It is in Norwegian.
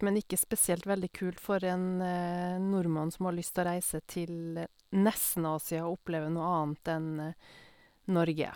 Men ikke spesielt veldig kult for en nordmann som har lyst å reise til nesten-Asia og oppleve noe annet enn Norge.